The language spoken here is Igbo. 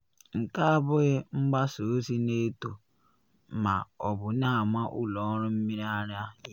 Nke a abụghị mgbasa ozi na eto ma ọ bụ na ama ụlọ ọrụ mmiri ara ikpe.”